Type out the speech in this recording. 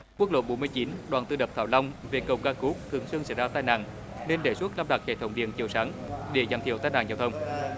quốc lộ bốn mươi chín đoàn tư đập thảo long về cầu ca cút thường xuyên xảy ra tai nạn nên đề xuất lắp đặt hệ thống điện chiếu sáng để giảm thiểu tai nạn giao thông